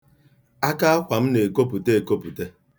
Aka akwa m na-ekopute ekopute.